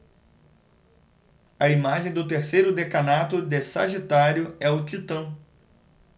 a imagem do terceiro decanato de sagitário é o titã